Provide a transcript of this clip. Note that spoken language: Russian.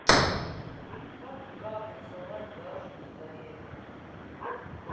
как как рисовать дашу из царевен